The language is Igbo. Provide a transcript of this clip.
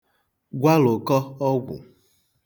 gwalụ̀kọ ọgwụ̀